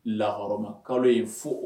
Lahɔrɔma kalo in fo